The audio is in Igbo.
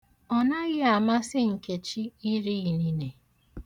Ọnaghị amasị Nkechi iri inine.